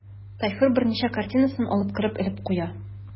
Тайфур берничә картинасын алып кереп элеп куя.